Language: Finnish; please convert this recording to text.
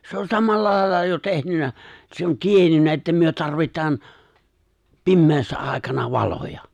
se on samalla lailla jo tehnyt se on tiennyt että me tarvitaan pimeässä aikana valoja